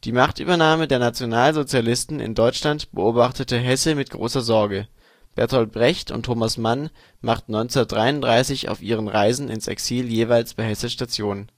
Machtübernahme der Nationalsozialisten in Deutschland beobachtete Hesse mit großer Sorge. Bertolt Brecht und Thomas Mann machten 1933 auf ihren Reisen ins Exil jeweils bei Hesse Station